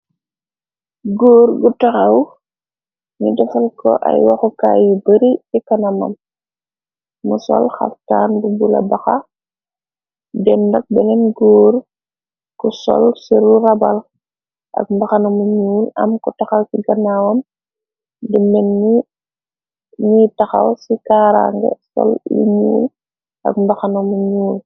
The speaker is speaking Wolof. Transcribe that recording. Goor bu taxaw nu defal ko ay woxukaay yi bari ci kanamam, mu sol xaftaan bu bulo baxax, den nak beneen góor ku sol siru rabal ak mbaxana mu ñuul, am ko taxaw ci ganaawam di menni ni taxaw ci kaaranga sol lu ñuul ak mbaxana mu ñuul.